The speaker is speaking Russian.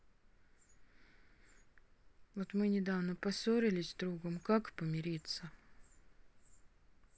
вот мы недавно поссорились с другом как помириться